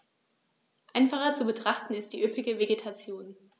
Einfacher zu betrachten ist die üppige Vegetation.